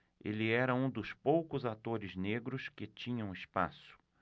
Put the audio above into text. ele era um dos poucos atores negros que tinham espaço